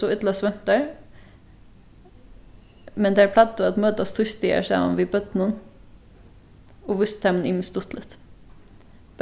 so illa svøvntar men tær plagdu at møtast týsdagar saman við børnunum og vístu teimum ymiskt stuttligt